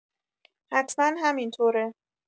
حتما همینطوره.